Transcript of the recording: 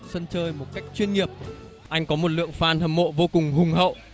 sân chơi một cách chuyên nghiệp anh có một lượng phan hâm mộ vô cùng hùng hậu